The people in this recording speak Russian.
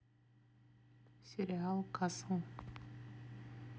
сериал касл